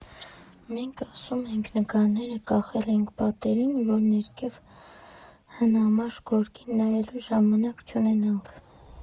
Մենք ասում ենք՝ նկարները կախել ենք պատերին, որ ներքև՝ հնամաշ գորգին նայելու ժամանակ չունենաք։